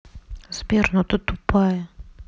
сбер ну ты тупая